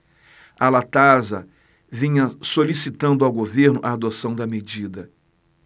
a latasa vinha solicitando ao governo a adoção da medida